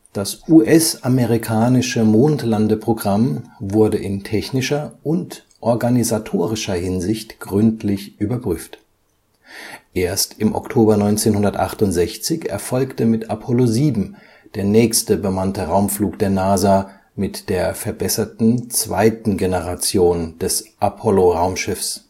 Das US-amerikanische Mondlandeprogramm wurde in technischer und organisatorische Hinsicht gründlich überprüft. Erst im Oktober 1968 erfolgte mit Apollo 7 der nächste bemannte Raumflug der NASA mit der verbesserten zweiten Generation des Apollo-Raumschiffs